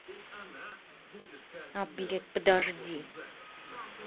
а блядь подожди